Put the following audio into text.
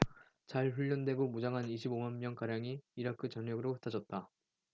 잘 훈련되고 무장한 이십 오 만 명가량이 이라크 전역으로 흩어졌다